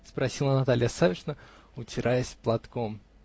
-- спросила Наталья Савишна, утираясь платком.